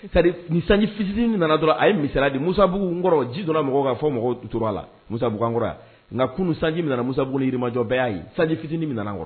Sanfitinin nana dɔrɔn a ye misira de mubugu kɔrɔ ji dɔrɔn mɔgɔ kan fɔ mɔgɔ tora la mukura nka kun sanji mu bolohi majɔ y' sanjifitinin min nana kɔrɔ